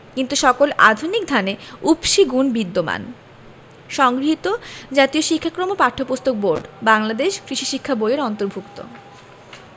কিন্তু সকল আধুনিক ধানে উফশী গুণ বিদ্যমান সংগৃহীত জাতীয় শিক্ষাক্রম ও পাঠ্যপুস্তক বোর্ড বাংলাদেশ কৃষি শিক্ষা বই এর অন্তর্ভুক্ত